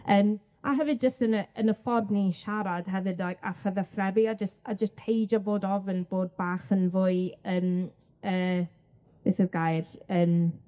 Yym a hefyd jyst yn y yn y ffordd ni'n siarad hefyd a'i a chyfathrebu a jyst a jyst peidio bod ofyn bod bach yn fwy yn yy beth yw'r gair yn